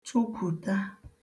chụkwùta